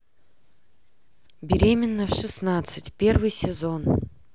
беременна в шестнадцать первый сезон